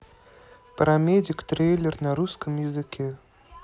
парамедик трейлер на русском языке